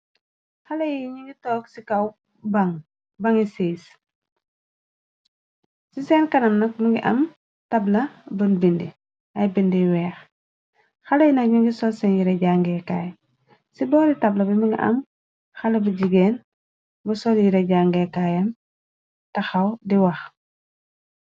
Xale yi ñu ngi toog ci kaw ba bangi séys ci seen kanam nak mu ngi am tabla bën bindi ay bindi weex xale yi nak ñu ngi sol seen yira jangeekaay ci boori tabla bi mi ngi am xale bu jigeen bu sol yira jangeekaayam taxaw di wax.